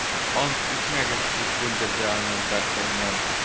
- ант итмәгез, - дип бүлдерде аны д’артаньян.